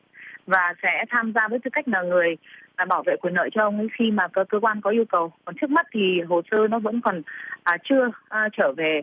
và sẽ tham gia với tư cách là người ta bảo vệ quyền lợi cho ông ấy khi mà cơ quan có yêu cầu còn trước mắt thì hồ sơ nó vẫn còn chưa trở về